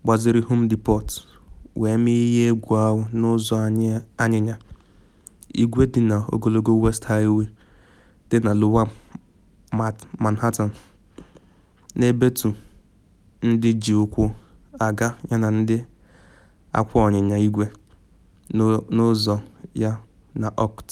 mgbaziri Home Depot wee mee ihe egwu ahụ n’ụzọ anyịnya igwe dị n’ogologo West Highway dị na Lower Manhattan, na ebetu ndị ji ụkwụ aga yana ndị na akwọ anyịnya igwe n’ụzọ ya na Ọkt.